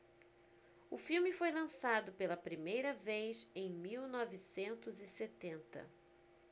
o filme foi lançado pela primeira vez em mil novecentos e setenta